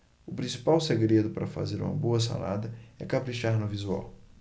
o principal segredo para fazer uma boa salada é caprichar no visual